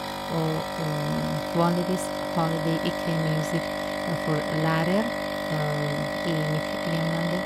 og Og vanligvis har vi ikke musikk for lærer i mitt hjemlandet.